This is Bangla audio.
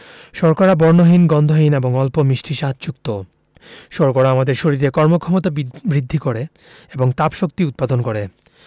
শর্করা বর্ণহীন গন্ধহীন এবং অল্প মিষ্টি স্বাদযুক্ত শর্করা আমাদের শরীরে কর্মক্ষমতা বৃদ্ধি করে এবং তাপশক্তি উৎপাদন করে